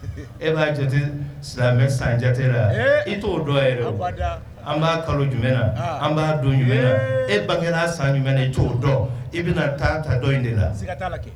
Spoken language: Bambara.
E b'a jate silamɛ bɛ san jate la i t'o dɔn an b'a kalo jumɛn b'a don jumɛn e bakɛ san jumɛn o dɔn i bɛna ta ta dɔ in de la